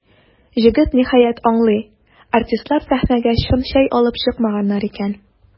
Җегет, ниһаять, аңлый: артистлар сәхнәгә чын чәй алып чыкмаганнар икән.